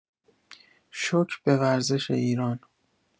شوک به ورزش ایران